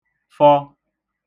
-fọ